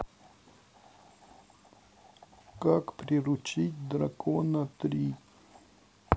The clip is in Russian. как приручить дракона три